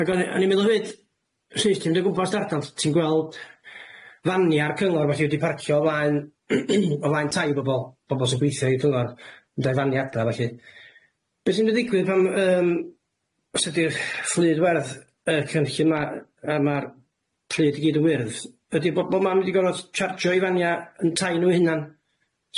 Ag o'n i o'n i'n meddwl fyd, sut ti'n mynd o gwmpas dy ardal, ti'n gweld fania'r cyngor felly wedi parcio o flaen o flaen tai bobol bobol sy'n gweithio i'r cyngor yn mynda'i faniau adra lly be sy'n mynd i ddigwydd pan yym os ydi'r fflyd werdd yy cynllun ma' a ma'r pryd i gyd yn wyrdd, ydi bo' bo' mam wedi gorod tsarjio i fania yn tai nw hunan?